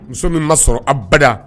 Muso min'a sɔrɔ a bada